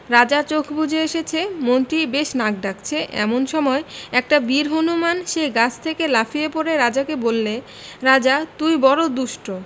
রাজার চোখ বুজে এসেছে মন্ত্রীর বেশ নাক ডাকছে এমন সময় একটা বীর হনুমান সেই গাছ থেকে লাফিয়ে পড়ে রাজাকে বললে রাজা তুই বড়ো দুষ্ট